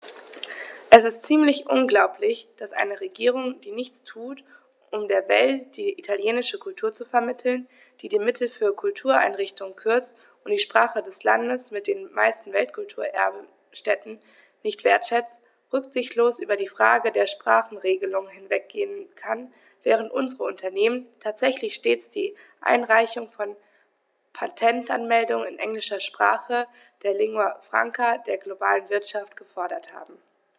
Es ist ziemlich unglaublich, dass eine Regierung, die nichts tut, um der Welt die italienische Kultur zu vermitteln, die die Mittel für Kultureinrichtungen kürzt und die Sprache des Landes mit den meisten Weltkulturerbe-Stätten nicht wertschätzt, rücksichtslos über die Frage der Sprachenregelung hinweggehen kann, während unsere Unternehmen tatsächlich stets die Einreichung von Patentanmeldungen in englischer Sprache, der Lingua Franca der globalen Wirtschaft, gefordert haben.